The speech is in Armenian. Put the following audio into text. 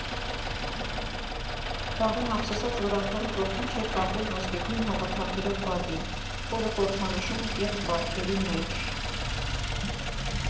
Վաղոն ափսոսաց, որ աթոռի կողքին չէր կապել ոսկեգույն հողաթափերով բադին, որը խորհրդանշում է կեղծ բարքերի մերժ…